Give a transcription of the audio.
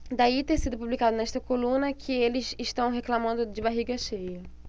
daí ter sido publicado nesta coluna que eles reclamando de barriga cheia